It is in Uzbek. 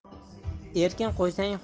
erkin qo'ysang xo'jani